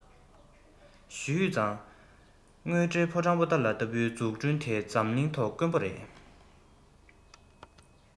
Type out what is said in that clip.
ཞུས ཙང དངོས འབྲེལ ཕོ བྲང པོ ཏ ལ ལྟ བུའི འཛུགས སྐྲུན དེ འདྲ འཛམ གླིང ཐོག དཀོན པོ རེད